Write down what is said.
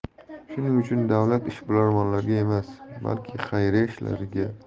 shuning uchun davlat ishbilarmonlarga emas balki